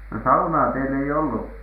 no saunaa teillä ei ollut